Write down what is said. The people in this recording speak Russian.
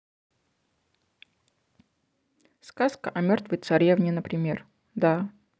сказка о мертвой царевне например да